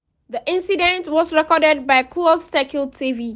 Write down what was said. The incident was recorded by closed-circuit TV.